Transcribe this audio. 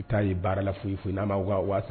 I taa ye baara la foyi fo n'a ma waa